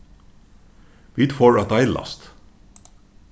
vit fóru at deilast